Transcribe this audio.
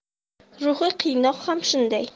ruhiy qiynoq ham shunday